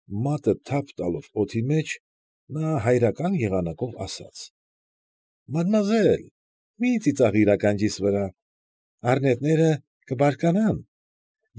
Մատը թափ տալով օդի մեջ, նա հայրական եղանակով ասաց. ֊ Մադմուազել, մի՛ ծիծաղիր ականջիս վրա, առնետները կբարկանան։